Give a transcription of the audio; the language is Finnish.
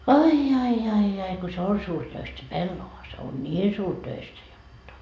ai ai ai ai kun se on suuritöistä se pellava se on niin suuritöistä jotta